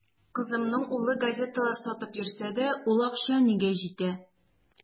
Кызымның улы газеталар сатып йөрсә дә, ул акча нигә җитә.